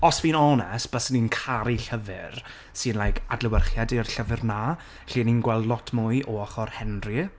Os fi'n onest, byswn i'n caru llyfr, sy'n like, adlewyrchiad i'r llyfr 'na, lle ni'n gweld lot mwy o ochr Henry.